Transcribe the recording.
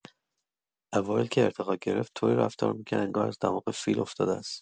اوایل که ارتقا گرفت، طوری رفتار می‌کرد انگار از دماغ فیل افتاده است.